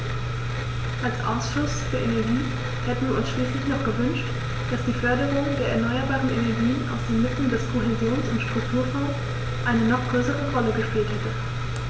Als Ausschuss für Energie hätten wir uns schließlich noch gewünscht, dass die Förderung der erneuerbaren Energien aus den Mitteln des Kohäsions- und Strukturfonds eine noch größere Rolle gespielt hätte.